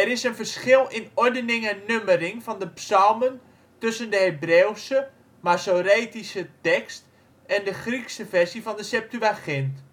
is een verschil in ordening en nummering van de psalmen tussen de Hebreeuwse (Masoretische) tekst en de Griekse versie van de Septuagint